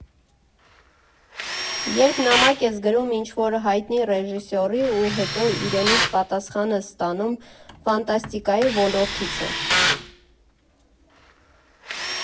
Երբ նամակ ես գրում ինչ֊որ հայտնի ռեժիսորի ու հետո իրենից պատասխան ես ստանում, ֆանտաստիկայի ոլորտից է։